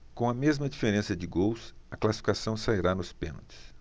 com a mesma diferença de gols a classificação sairá nos pênaltis